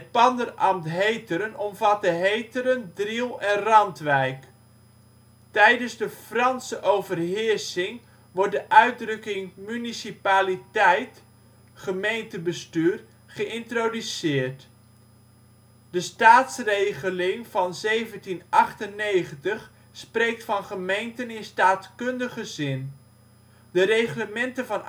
panderambt Heteren omvatte Heteren, Driel en Randwijk. Tijdens de Franse overheersing wordt de uitdrukking municipaliteit (gemeentebestuur) geïntroduceerd. De Staatsregeling van 1798 spreekt van gemeenten in staatskundige zin. De Reglementen van